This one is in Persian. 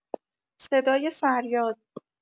صدای فریاد